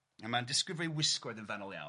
A mae'n disgrifio ei wisgoedd yn fanwl iawn.